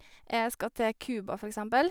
Jeg skal til Cuba, for eksempel.